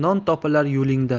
non topilar yo'lingda